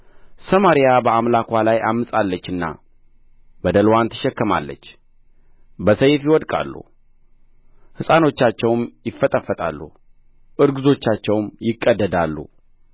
ሰማርያ በአምላክዋ ላይ ዐምፃለችና በደልዋን ትሸከማለች በሰይፍ ይወድቃሉ ሕፃኖቻቸውም ይፈጠፈጣሉ እርጕዞቻቸውም ይቀደዳሉ